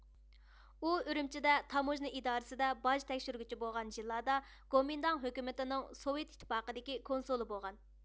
ئۇ ئۈرۈمچىدە تاموژنا ئىدارىسىدە باج تەكشۈرگۈچى بولغان يىللاردا گومىنداڭ ھۆكۈمىتىنىڭ سوۋېت ئىتتىپاقىدىكى كونسۇلى بولغان